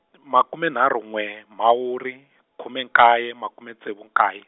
makume nharhu n'we Mhawuri khume nkaye makume ntsevu nkaye.